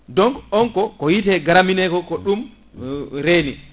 donc on ko ko yiite graminée ko ko ɗum reeni